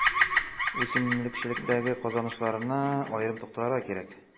Үсемлекчелектәге казанышларына аерым тукталырга кирәк.